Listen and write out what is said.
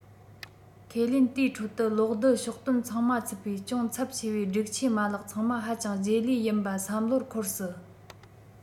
ཁས ལེན དེའི ཁྲོད དུ གློག རྡུལ ཕྱོགས སྟོན ཚང མ ཚུད པའི ཅུང ཚབས ཆེ བའི སྒྲིག ཆས མ ལག ཚང མ ཧ ཅང རྗེས ལུས ཡིན པ བསམ བློར འཁོར སྲིད